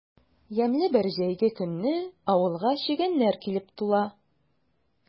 Ямьле бер җәйге көнне авылга чегәннәр килеп тула.